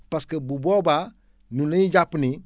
parce que bu boobaa ñun dañuy jàpp ni